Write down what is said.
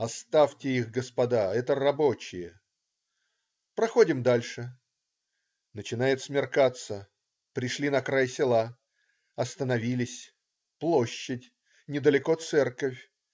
"Оставьте их, господа,- это рабочие". Проходим дальше. Начинает смеркаться. Пришли на край села. Остановились. Площадь. Недалеко церковь.